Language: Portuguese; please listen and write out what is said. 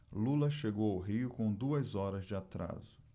lula chegou ao rio com duas horas de atraso